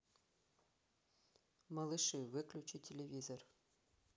малыши выключи телевизор